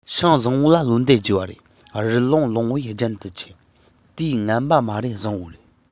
ཤིང བཟང པོ ལ ལོ འདབ རྒྱས པ དེ རི ཀླུང ལུང པའི རྒྱན དུ ཆེ དེ ངན པ མ རེད བཟང བ རེད